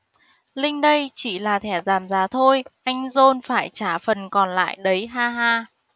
linh đây chỉ là thẻ giảm giá thôi anh john phải trả phần còn lại đấy haha